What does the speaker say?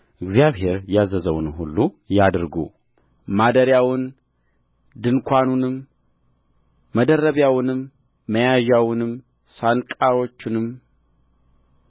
እግዚአብሔር ያዘዘውን ሁሉ ያድርጉ ማደሪያውን ድንኳኑንም መደረቢያውንም መያዣዎቹንም ሳንቆቹንም